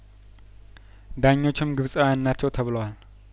ዳኞቹም ግብጻዊያን ናቸው ተብሏል